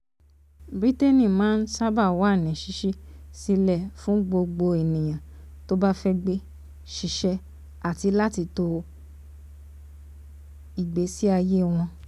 Bírítéènì máa sábà wà ní ṣíṣí sílẹ̀ fún gbogbo ènìyàn tó bá fẹ́ gbé, ṣiṣẹ́ àti láti to ìgbésí ayé wọn.